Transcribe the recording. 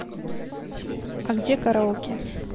а где караоке